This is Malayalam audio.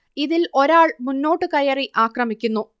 ഇതിൽ ഒരാൾ മുന്നോട്ടു കയറി ആക്രമിക്കുന്നു